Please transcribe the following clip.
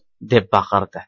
deb baqirdi